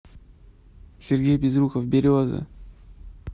сергей безруков березы